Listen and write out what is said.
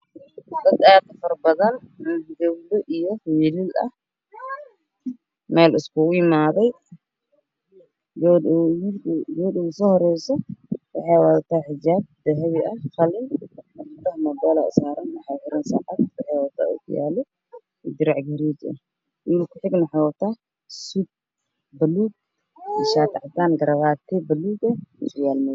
Dad aad ufara badan gabdho iyo wiilal gabar usoo horeyso waxey wadataa saacad madow ah